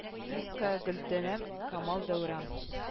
Ильская гөләндәм камал дәүран